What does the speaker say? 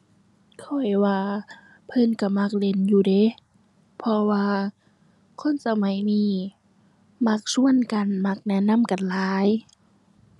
ข้อยว่าเพิ่นก็มักเล่นอยู่เดะ เพราะว่าคนสมัยนี้มักชวนกัน มักแนะนำกันหลาย